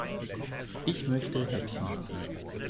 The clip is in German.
Ich möchte Häppchen machen.